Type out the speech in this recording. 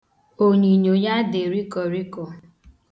Onyinyo ya dị rịkọrịkọ.